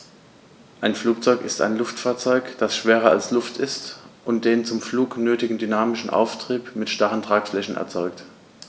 Ein Flugzeug ist ein Luftfahrzeug, das schwerer als Luft ist und den zum Flug nötigen dynamischen Auftrieb mit starren Tragflächen erzeugt.